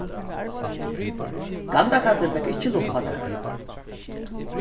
gandakallurin fekk ikki lumpað nakran